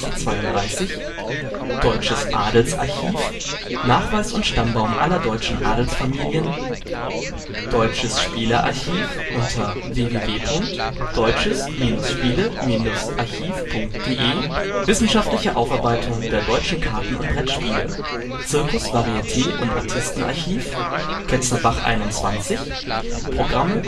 32 Deutsches Adelsarchiv (Nachweis und Stammbaum aller deutschen Adelsfamilien) Deutsches Spiele-Archiv (x) (wissenschaftliche Aufarbeitung der deutschen Karten - und Brettspiele) Circus -, Varieté - und Artistenarchiv, Ketzerbach 21 (Programme